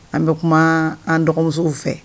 An bɛ kuma an dɔgɔmuso fɛ